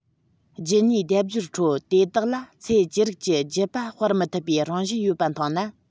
རྒྱུད གཉིས སྡེབ སྦྱོར ཁྲོད དེ དག ལ ཚད ཅི རིགས ཀྱི རྒྱུད པ སྤེལ མི ཐུབ པའི རང བཞིན ཡོད པ མཐོང ན